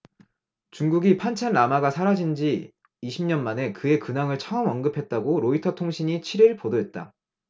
중국이 판첸 라마가 사라진 지 이십 년 만에 그의 근황을 처음 언급했다고 로이터통신이 칠 일 보도했다